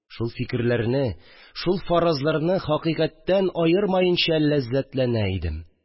Шул фикерләрне, шул фаразларны хәкыйкатьтән аермаенча ләззәтләнә идем